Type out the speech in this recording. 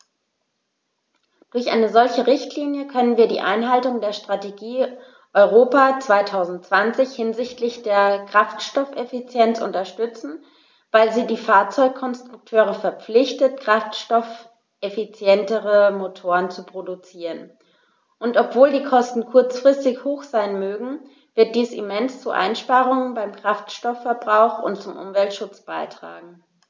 Durch eine solche Richtlinie können wir die Einhaltung der Strategie Europa 2020 hinsichtlich der Kraftstoffeffizienz unterstützen, weil sie die Fahrzeugkonstrukteure verpflichtet, kraftstoffeffizientere Motoren zu produzieren, und obwohl die Kosten kurzfristig hoch sein mögen, wird dies immens zu Einsparungen beim Kraftstoffverbrauch und zum Umweltschutz beitragen.